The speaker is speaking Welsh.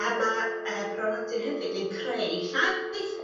a ma' yy prolactin hefyd yn creu llaeth.